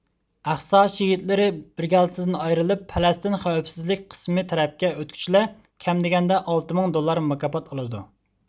ئەقسا شېھىتلىرى برىگادىسىدىن ئايرىلىپ پەلەستىن خەۋپسىزلىك قىسىمى تەرەپكە ئۆتكۈچىلەر كەم دېگەندە ئالتە مىڭ دوللار مۇكاپات ئالىدۇ